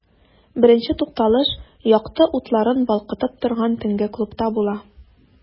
Беренче тукталыш якты утларын балкытып торган төнге клубта була.